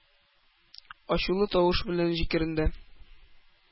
Ачулы тавыш белән җикеренде: -